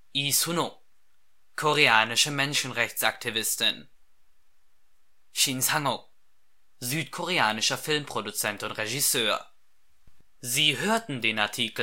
Lee Soon-ok, koreanische Menschenrechtsaktivistin Shin Sang-ok